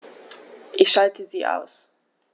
Ich schalte sie aus.